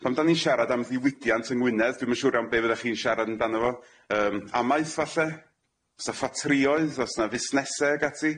Pam 'dan ni'n sharad am ddiwydiant yng Ngwynedd dwi'm yn shŵr am be' fyddech chi'n sharad amdano fo yym amaeth falle sa ffatrïoedd o's 'na fusnese ag ati.